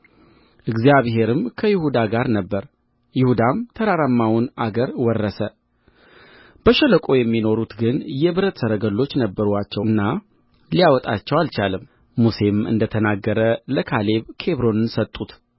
እግዚአብሔርም ከይሁዳ ጋር ነበረ ይሁዳም ተራራማውን አገር ወረሰ በሸለቆው የሚኖሩት ግን የብረት ሰረገሎች ነበሩአቸውና ሊያወጣቸው አልቻለም ሙሴም እንደ ተናገረ ለካሌብ ኬብሮንን ሰጡት